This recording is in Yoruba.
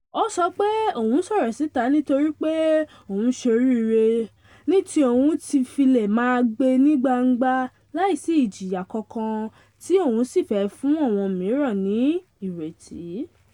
Ọ sọ pé òun sọ̀rọ̀ síta nítorípé òun ṣe oríire ni tí òun fi le máa gbé ní gbangba láìsí ìjìyà kankan tí òwun sì fẹ́ fún àwọn míràn ní “ìrètí.”